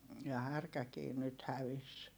ja härkäkin nyt hävisi